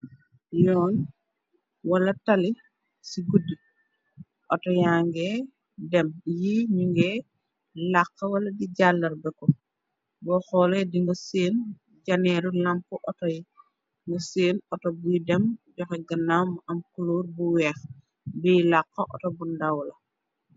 Yon wala tali ci guddi autoyange dem yi ñu nge làxqa wala di jàllar beko bo xoole di nga seen janeeru lamp ato nga seen auto buy dem joxe gannamu am kluur bu weex biy làxqa autobundawla.